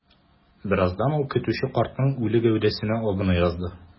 Бераздан ул көтүче картның үле гәүдәсенә абына язды.